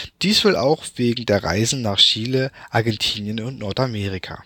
dies wohl auch wegen der Reisen nach Chile, Argentinien und Nordamerika